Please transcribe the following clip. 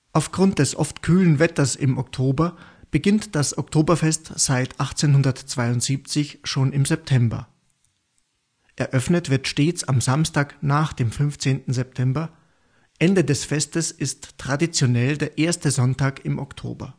Aufgrund des oft kühlen Wetters im Oktober beginnt das Oktoberfest seit 1872 schon im September. Eröffnet wird stets am Samstag nach dem 15. September, Ende des Festes ist traditionell der erste Sonntag im Oktober